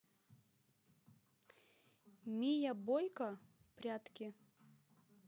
мия бойко прядки